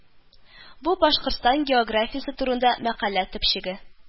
Бу Башкортстан географиясе турында мәкалә төпчеге